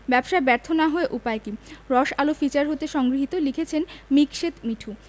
ব্যবসায় ব্যর্থ না হয়ে উপায় কী রসআলো ফিচার হতে সংগৃহীত লিখেছেনঃ মিকসেত মিঠু